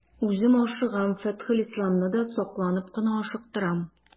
Үзем ашыгам, Фәтхелисламны да сакланып кына ашыктырам.